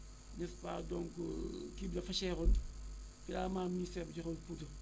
n' est ce pas donc kii bi dafa seeroon finalement ministère bi joxewul poudre